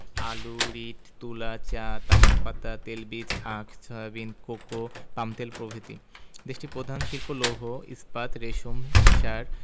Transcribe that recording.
আলু রীট তুলা চা তামাক পাতা তেলবীজ আখ সয়াবিন কোকো পামতেল প্রভৃতি দেশটির প্রধান শিল্প লৌহ ইস্পাত রেশম সার